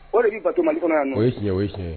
O de tun fato malidi fana yan oo ye tiɲɛ ye tiɲɛ ye